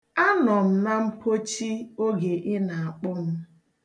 Anọ m na mpochi oge ị na-akpọ m.